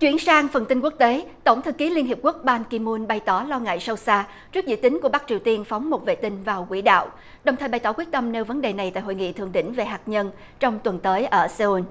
chuyển sang phần tin quốc tế tổng thư ký liên hiệp quốc ban ki mun bày tỏ lo ngại sâu xa trước dự tính của bắc triều tiên phóng một vệ tinh vào quỹ đạo đồng thời bày tỏ quyết tâm nêu vấn đề này tại hội nghị thượng đỉnh về hạt nhân trong tuần tới ở xê un